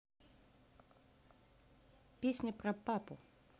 песня про папу